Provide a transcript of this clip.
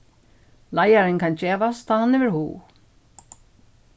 leiðarin kann gevast tá hann hevur hug